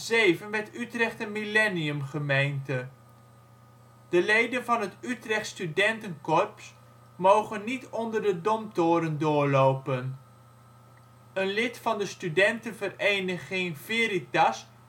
2007 werd Utrecht een Millennium Gemeente. Leden van het Utrechtsch Studenten Corps mogen niet onder de Domtoren doorlopen. Een lid van de studentenvereniging Veritas